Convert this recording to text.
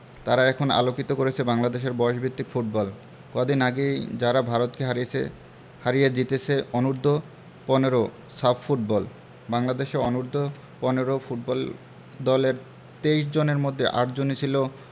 তারা এখন আলোকিত করেছে বাংলাদেশের বয়সভিত্তিক ফুটবল কদিন আগেই যারা ভারতকে হারিয়েছে হারিয়ে জিতেছে অনূর্ধ্ব ১৫ সাফ ফুটবল বাংলাদেশ অনূর্ধ্ব ১৫ ফুটবল দলের ২৩ জনের মধ্যে ৮ জনই ছিল